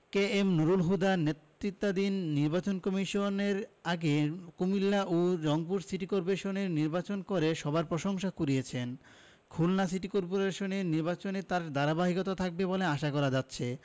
কে M Nurul হুদার নেতৃত্বাধীন নির্বাচন কমিশন এর আগে কুমিল্লা ও রংপুর সিটি করপোরেশনের নির্বাচন করে সবার প্রশংসা কুড়িয়েছেন খুলনা সিটি করপোরেশন নির্বাচনেও তার ধারাবাহিকতা থাকবে বলে আশা করা যাচ্ছে